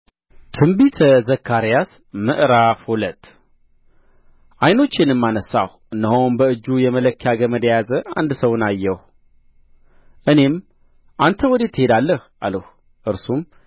ትንቢተ ዘካርያስ ምዕራፍ ሁለት ዓይኖቼንም አነሣሁ እነሆም በእጁ የመለኪያ ገመድ የያዘ አንድ ሰውን አየሁ እኔም አንተ ወዴት ትሄዳለህ አልሁ እርሱም